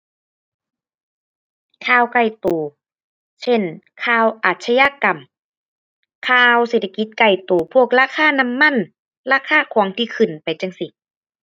ข่าวใกล้ตัว เช่น ข่าวอาชญากรรม ข่าวเศรษฐกิจใกล้ตัว พวกราคาน้ำมัน ราคาของที่ขึ้นไปจั่งซี้